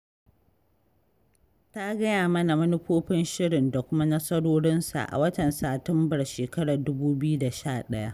Ta gaya mana manufofin shirin da kuma nasarorinsa a watan Satumbar 2011.